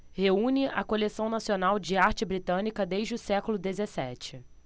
reúne a coleção nacional de arte britânica desde o século dezessete